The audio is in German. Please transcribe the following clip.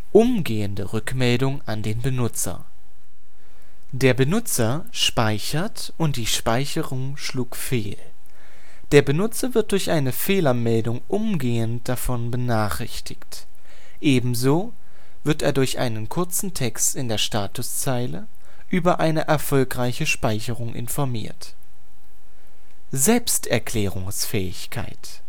Umgehende Rückmeldung an den Benutzer Der Benutzer speichert und die Speicherung schlug fehl. Der Benutzer wird durch eine Fehlermeldung umgehend davon benachrichtigt. Ebenso wird er durch einen kurzen Text in der Statuszeile über eine erfolgreiche Speicherung informiert. Selbsterklärungsfähigkeit